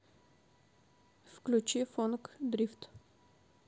включи фонк дрифт